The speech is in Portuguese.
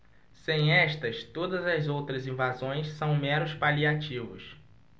sem estas todas as outras invasões são meros paliativos